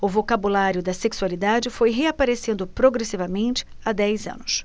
o vocabulário da sexualidade foi reaparecendo progressivamente há dez anos